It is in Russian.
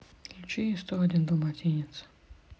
включи сто один далматинец